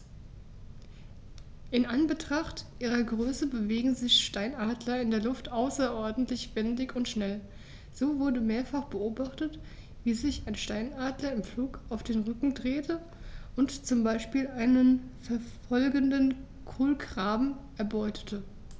In Anbetracht ihrer Größe bewegen sich Steinadler in der Luft außerordentlich wendig und schnell, so wurde mehrfach beobachtet, wie sich ein Steinadler im Flug auf den Rücken drehte und so zum Beispiel einen verfolgenden Kolkraben erbeutete.